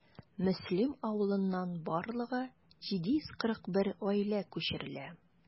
Мөслим авылыннан барлыгы 741 гаилә күчерелә.